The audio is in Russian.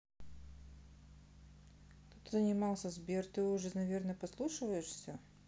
кто то занимался сбер ты же наверное подслушиваешь все